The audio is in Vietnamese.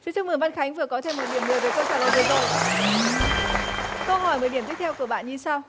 xin chúc mừng văn khánh vừa có thêm một điểm mười với câu trả lời vừa rồi câu hỏi mười điểm tiếp theo của bạn như sau